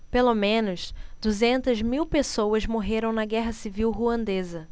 pelo menos duzentas mil pessoas morreram na guerra civil ruandesa